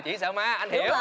chị